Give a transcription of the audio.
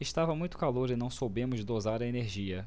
estava muito calor e não soubemos dosar a energia